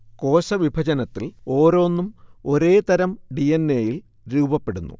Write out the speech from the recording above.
കോശവിഭജനത്തിൽ ഓരോന്നും ഒരേ തരം ഡി. എൻ. എയിൽ രൂപപ്പെടുന്നു